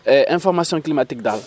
information climatique daal